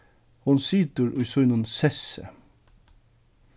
hon situr í sínum sessi